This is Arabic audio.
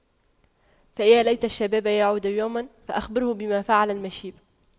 فيا ليت الشباب يعود يوما فأخبره بما فعل المشيب